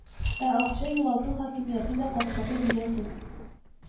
Ә акча югалту хакимияте дә какшату дигән сүз